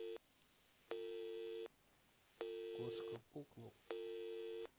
кошка пукнул